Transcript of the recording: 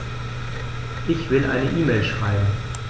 Ich will eine E-Mail schreiben.